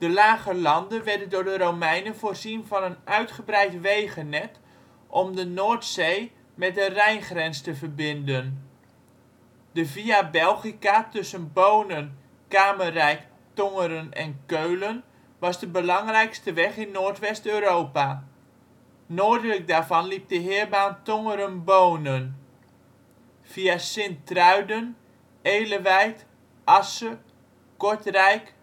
Lage Landen werden door de Romeinen voorzien van een uitgebreid wegennet om de Noordzee met de Rijngrens te verbinden. De Via Belgica tussen Bonen, Kamerijk, Tongeren en Keulen was de belangrijkste weg in Noordwest-Europa. Noordelijk daarvan liep de heirbaan Tongeren-Bonen, via Sint-Truiden, Elewijt, Asse, Kortrijk